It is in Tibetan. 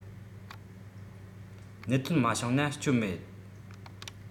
གནད དོན མ བྱུང ན སྐྱོན མེད